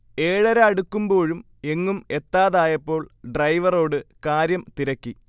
ഏഴര അടുക്കുമ്പോഴും എങ്ങും എത്താതായപ്പോൾ ഡ്രൈവറോട് കാര്യം തിരക്കി